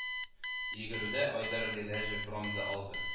Йөгерүдә Айдар Гыйлаҗев бронза алды